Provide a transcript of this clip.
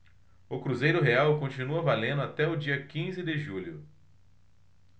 o cruzeiro real continua valendo até o dia quinze de julho